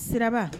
Sira